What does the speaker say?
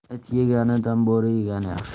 it yeganidan bo'ri yegani yaxshi